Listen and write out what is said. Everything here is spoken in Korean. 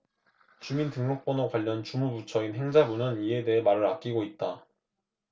주민등록번호 관련 주무 부처인 행자부는 이에 대해 말을 아끼고 있다